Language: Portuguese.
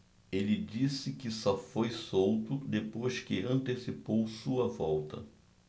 ele disse que só foi solto depois que antecipou sua volta